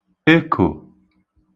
ekò